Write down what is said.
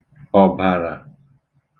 ọ̀bàrà